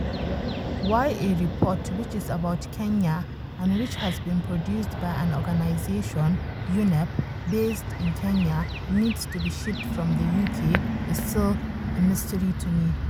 Why a report which is about Kenya and which has been produced by an organization (UNEP) based in Kenya needs to shipped from the UK is still a mystery to me.